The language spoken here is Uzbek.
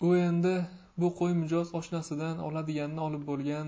u endi bu qo'y mijoz oshnasidan oladiganini olib bo'lgan